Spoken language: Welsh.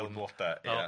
Fel bloda ia.